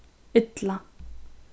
illa